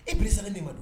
E bilisisa ne ma don